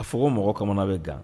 A fɔ mɔgɔ kamana bɛ kan